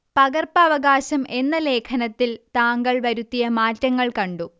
പകർപ്പവകാശം എന്ന ലേഖനത്തിൽ താങ്കൾ വരുത്തിയ മാറ്റങ്ങൾ കണ്ടു